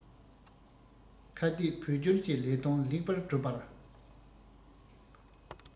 ཁ གཏད བོད སྐྱོར གྱི ལས དོན ལེགས པར སྒྲུབ པར